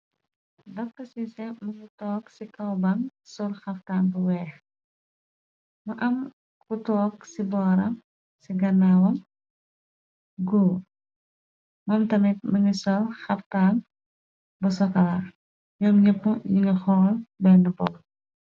Dokta sisay mugii tóóg si kaw bang sol xaptan bu wèèx, mu am ku tóóg ci bóram si ganaw wam. Gór mom tamid mugi sol xaptan bu sokola ñom ñap ñugi xool benna bór .